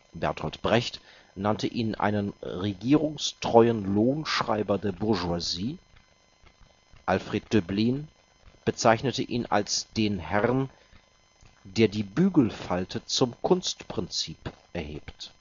Bertolt Brecht nannte ihn einen „ regierungstreuen Lohnschreiber der Bourgeoisie “, Alfred Döblin bezeichnete ihn als den Herrn, „ der die Bügelfalte zum Kunstprinzip “erhebt